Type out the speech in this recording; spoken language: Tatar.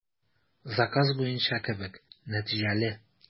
Заказ буенча кебек, нәтиҗәле.